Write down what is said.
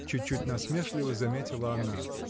— чуть-чуть насмешливо заметила она.